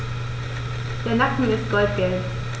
Der Nacken ist goldgelb.